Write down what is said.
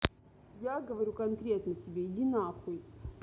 я говорю конкретно тебе иди на хуй